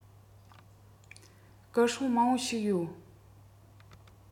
སྐུ སྲུང མང པོ ཞིག ཡོད